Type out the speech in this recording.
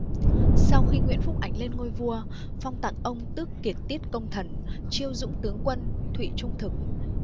sau khi nguyễn phúc ánh lên ngôi vua phong tặng ông tước kiệt tiết công thần chiêu dũng tướng quân thụy trung thực